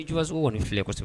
I jɔwasow nin filɛ kɔ kosɛbɛ